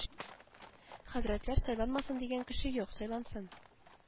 Хәзрәтләр сайланмасын дигән кеше юк сайлансын